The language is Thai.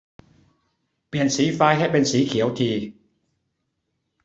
เปลี่ยนสีไฟให้เป็นสีเขียวที